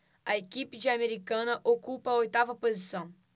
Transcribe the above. a equipe de americana ocupa a oitava posição